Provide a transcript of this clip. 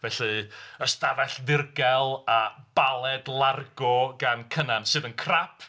Felly y Stafell Ddirgel a Baled Largo gan Cynan sydd yn crap.